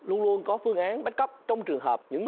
luôn luôn có phương án bắt cóc trong trường hợp những